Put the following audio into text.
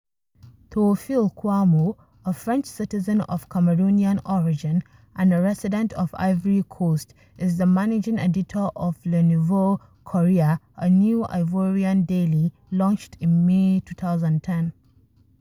Théophile Kouamouo, a French citizen of Cameroonian origin and a resident of Ivory Coast, is the Managing Editor of Le Nouveau Courrier, a new Ivorian daily launched in May 2010.